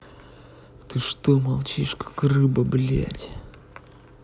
ты что молчишь как рыба блядь